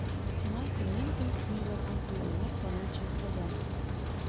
Сиңа көннән-көн кими барган куяннар санынча сәлам.